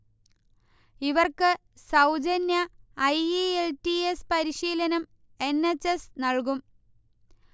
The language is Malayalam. ഇവർക്ക് സൗജന്യ I. E. L. T. S. പരിശീലനം എൻ. എച്ച്. എസ്. നൽകും